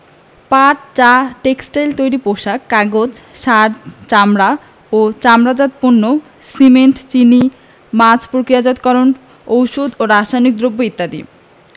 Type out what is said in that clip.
পাট চা টেক্সটাইল তৈরি পোশাক কাগজ সার চামড়া ও চামড়াজাত পণ্য সিমেন্ট চিনি মাছ প্রক্রিয়াজাতকরণ ঔষধ ও রাসায়নিক দ্রব্য ইত্যাদি